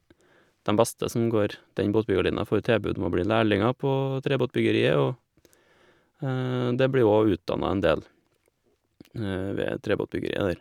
Dem beste som går den båtbyggerlinja får tilbud om å bli lærlinger på trebåtbyggeriet, og det blir jo óg utdanna en del ved trebåtbyggeriet der.